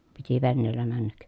piti veneellä mennä